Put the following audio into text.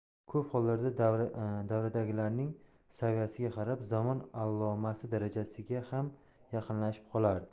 ko'p hollarda davradagilarning saviyasiga qarab zamon allomasi darajasiga ham yaqinlashib qolardi